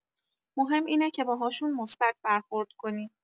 مهم اینه که باهاشون مثبت برخورد کنی.